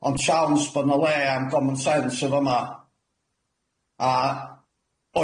Ond siawns bo' na le am common sense yn fa' ma' a